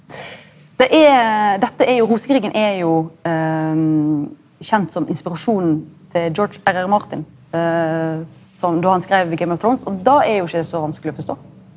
det er dette er jo rosekrigen er jo kjent som inspirasjonen til George R.R. Martin som då han skreiv Game of Thrones og det er jo ikkje så vanskeleg å forstå.